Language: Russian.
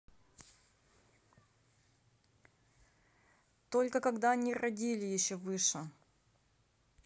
только когда они родили еще выше